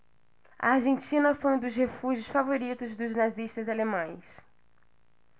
a argentina foi um dos refúgios favoritos dos nazistas alemães